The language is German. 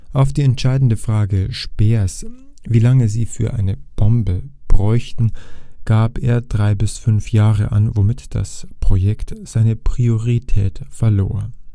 Auf die entscheidende Frage Speers, wie lange sie für eine Bombe bräuchten, gab er drei bis fünf Jahre an – womit das Projekt seine Priorität verlor